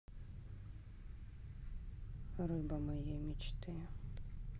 рыба моей мечты